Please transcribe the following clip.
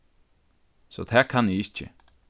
so tað kann eg ikki